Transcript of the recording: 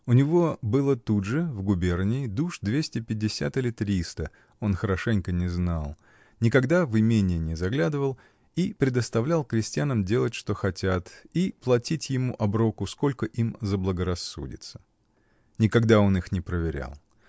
У него было тут же, в губернии, душ двести пятьдесят или триста — он хорошенько не знал, никогда в имение не заглядывал и предоставлял крестьянам делать что хотят и платить ему оброку сколько им заблагорассудится. Никогда он их не поверял.